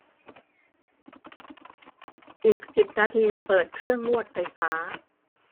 อีกสิบนาทีเปิดเครื่องนวดไฟฟ้า